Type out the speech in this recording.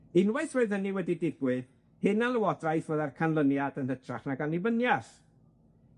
Unwaith roedd hynny wedi digwydd, hunanlywodraeth fydda'r canlyniad yn hytrach nag annibyniath.